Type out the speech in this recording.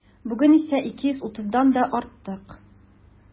Бүген исә 230-дан да артык.